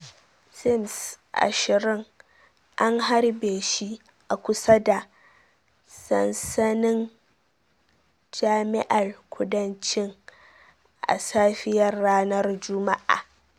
Sims, 20, an harbe shi a kusa da sansanin Jami'ar Kudancin a safiyar ranar Juma'a.